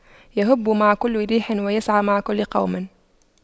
يَهُبُّ مع كل ريح ويسعى مع كل قوم